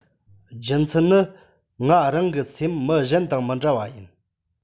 རྒྱུ མཚན ནི ང རང གི སེམས མི གཞན དང མི འདྲ བ ཡིན